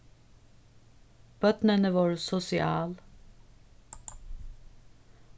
børnini vóru sosial